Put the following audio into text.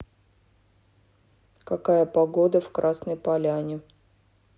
какая погода в красной поляне